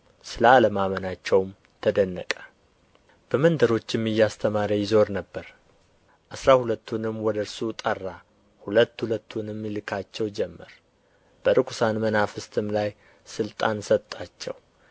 ስለ አለማመናቸውም ተደነቀ በመንደሮችም እያስተማረ ይዞር ነበር አስራ ሁለቱንም ወደ እርሱ ጠራ ሁለት ሁለቱንም ይልካቸው ጀመር በርኵሳን መናፍስትም ላይ ሥልጣን ሰጣቸው